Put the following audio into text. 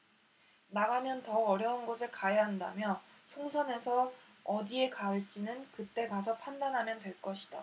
나가면 더 어려운 곳에 가야 한다며 총선에서 어디에 갈지는 그 때 가서 판단하면 될 것이다